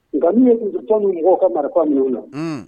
Nka min ye k'i jantɔ mɔgɔw ka marifa minɛni na ye , unn.